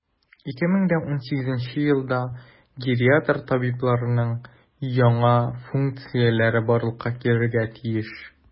2018 елда гериатр табибларның яңа функцияләре барлыкка килергә тиеш.